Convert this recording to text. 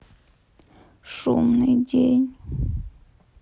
шумный день